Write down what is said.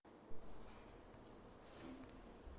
ermon buva vada qilgan